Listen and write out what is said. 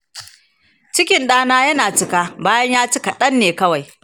cikin dana yana cika bayan ya ci kaɗan ne kawai.